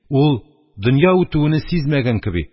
Ул, дөнья үтүене сизмәгән кеби,